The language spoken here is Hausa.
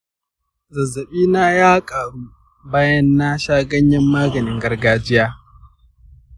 zazzabina ya ƙaru bayan na sha ganyen maganin gargajiya